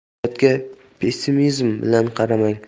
siz hayotga pessimizm bilan qaramang